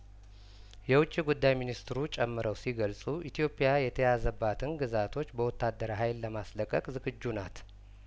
የውጭ ጉዳይ ሚንስትሩ ጨምረው ሲገልጹ ኢትዮጵያ የተያዘባትን ግዛቶች በወታደራዊ ሀይል ለማስለቀቅ ዝግጁናት